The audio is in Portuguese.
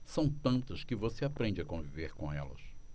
são tantas que você aprende a conviver com elas